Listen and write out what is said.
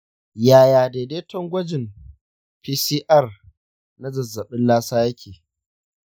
yaya daidaiton gwajin pcr na zazzabin lassa yake?